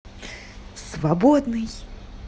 свободный